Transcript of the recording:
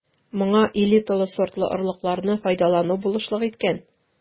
Моңа элиталы сортлы орлыкларны файдалану булышлык иткән.